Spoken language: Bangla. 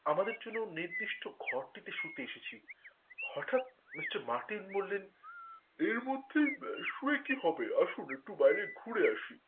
আমাদের জন্য নির্দিষ্ট ঘরটিতে শুতে এসেছি হঠাৎ মিস্টার মার্টিন বললেন এর মধ্যে শুয়ে কি হবে আসুন একটু বাইরে ঘুরে আসি